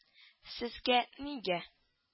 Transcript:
— сезгә нигә